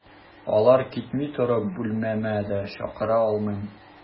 Алар китми торып, бүлмәмә дә чакыра алмыйм.